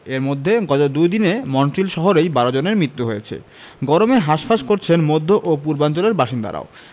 এর মধ্যে গত দুদিনে মন্ট্রিল শহরেই ১২ জনের মৃত্যু হয়েছে গরমে হাসফাঁস করছেন মধ্য ও পূর্বাঞ্চলের বাসিন্দারাও